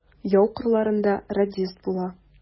Яу кырларында радист була.